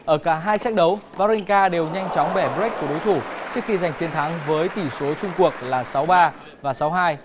ở cả hai séc đấu vo rin ca đều nhanh chóng bẻ bờ rếch của đối thủ trước khi giành chiến thắng với tỉ số chung cuộc là sáu ba và sáu hai